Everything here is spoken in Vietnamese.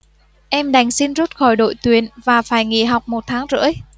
em đành xin rút khỏi đội tuyển và phải nghỉ học một tháng rưỡi